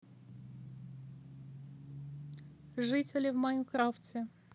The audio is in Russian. жители в майнкрафте